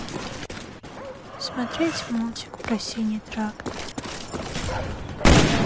смотреть мультик про синий трактор